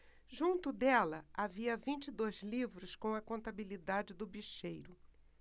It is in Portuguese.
junto dela havia vinte e dois livros com a contabilidade do bicheiro